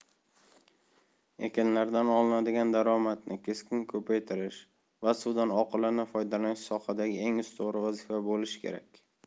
ekinlardan olinadigan daromadni keskin ko'paytirish va suvdan oqilona foydalanish sohadagi eng ustuvor vazifa bo'lishi kerak